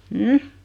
mm